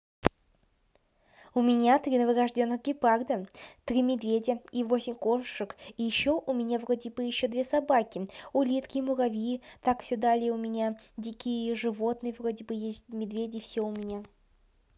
у меня три новорожденных гепарда три медведя и восемь кошек и еще у меня вроде бы еще две собаки улитки муравьи так все далее у меня дикие животные вроде бы есть медведи все у меня